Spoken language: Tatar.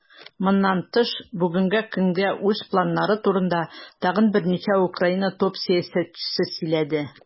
Моннан тыш, бүгенге көнгә үз планнары турында тагын берничә Украина топ-сәясәтчесе сөйләде.